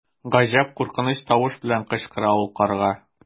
Гаҗәп куркыныч тавыш белән кычкыра ул карга.